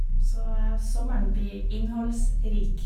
Så sommeren blir innholdsrik.